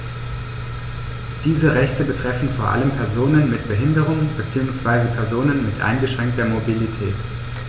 Diese Rechte betreffen vor allem Personen mit Behinderung beziehungsweise Personen mit eingeschränkter Mobilität.